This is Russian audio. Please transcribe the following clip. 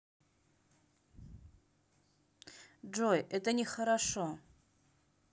джой это не хорошо